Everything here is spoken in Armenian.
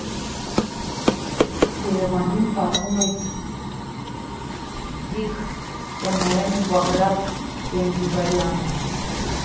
ԵՐԵՎԱՆ֊ին պատմում է ՁԻՀ տնօրեն Բագրատ Ենգիբարյանը։